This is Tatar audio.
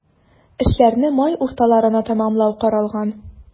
Эшләрне май урталарына тәмамлау каралган.